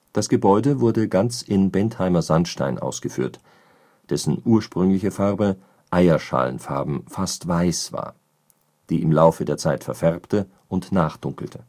Das Gebäude wurde ganz in Bentheimer Sandstein ausgeführt, dessen ursprüngliche Farbe eierschalenfarben, fast weiß, war, die im Laufe der Zeit verfärbte und nachdunkelte